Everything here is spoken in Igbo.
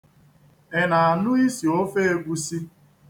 Ị na-anụ isi ofe egwusi?